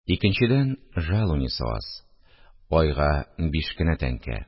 Икенчедән, жалуниясе аз – айга биш кенә тәңкә